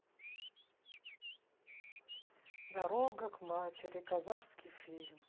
дорога к матери казахский фильм